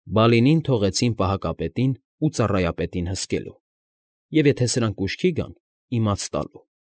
Բալինին թողեցին պահակապետին ու ծառայապետին հսկելու և, եթե սրանք ուշքի գան, իմաց տալու։